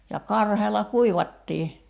ja karheella kuivattiin